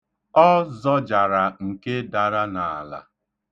Ọ zọjara nke dara n'ala.